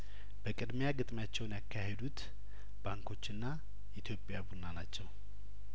በቅድሚያ ግጥሚያቸውን ያካሄዱት ባንኮችና ኢትዮጵያ ቡና ናቸው